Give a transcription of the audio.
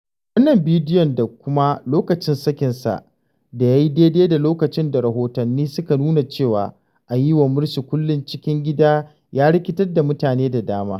Wannan bidiyon da kuma lokacin sakin sa da ya yi daidai da lokaci da rahotanni suka nuna cewa, an yi wa Morsi kullen cikin gida, ya rikitar da mutane da dama.